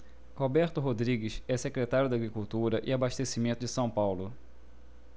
roberto rodrigues é secretário da agricultura e abastecimento de são paulo